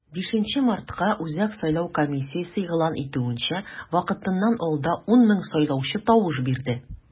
5 мартка, үзәк сайлау комиссиясе игълан итүенчә, вакытыннан алда 10 мең сайлаучы тавыш бирде.